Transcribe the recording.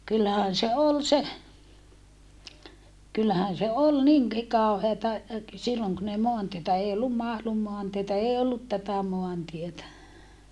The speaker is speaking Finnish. kyllähän se oli se kyllähän se oli niinkin kauheata silloin kun ei maantietä ei ollut Mahlun maantietä ei ollut tätä maantietä